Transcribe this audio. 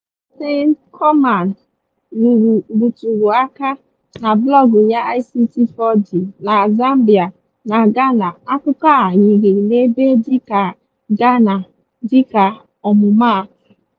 Dịka Martine Koopman rụtụrụ aka na blọọgụ ya ICT4D na Zambia na Ghana, akụkọ a yiri n'ebe dịka Ghana, dịka ọmụmaatụ.